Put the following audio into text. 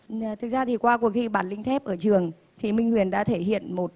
à thực ra thì qua cuộc thi bản lĩnh thép ở trường thì minh huyền đã thể hiện một